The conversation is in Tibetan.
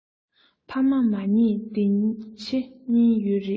ཕ མ མ མཉེས འདི ཕྱི གཉིས ཡོད རེད